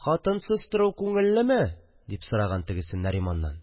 – хатынсыз тору күңеллеме? – дип сораган тегесе нариманнан